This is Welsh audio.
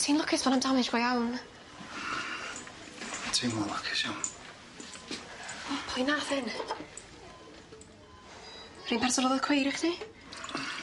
Ti'n lwcus bo' na'm damage go iawn. Dim teimlo'n lwcus iawn. O pwy nath hyn? R'un person ro'dd y cweir i chdi? Hmm.